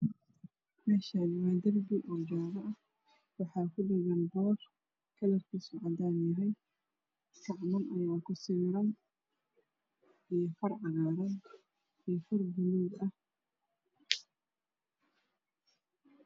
Meeshaan waa darbi jaalle ah waxaa ku dhagan boor kalarkiisa cadaan yahay saxaman ayaa ku sawiran iyo far cagaaran iyo far baluug ah.